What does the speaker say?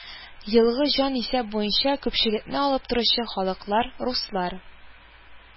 Елгы җанисәп буенча күпчелекне алып торучы халыклар: руслар